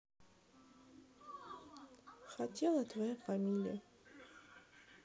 хотела твою фамилию